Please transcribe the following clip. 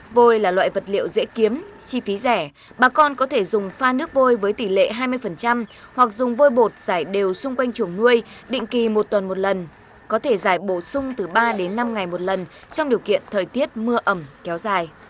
vôi là loại vật liệu dễ kiếm chi phí rẻ bà con có thể dùng pha nước vôi với tỷ lệ hai mươi phần trăm hoặc dùng vôi bột rải đều xung quanh chuồng nuôi định kỳ một tuần một lần có thể rải bổ sung từ ba đến năm ngày một lần trong điều kiện thời tiết mưa ẩm kéo dài